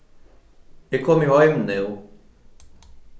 eg komi heim nú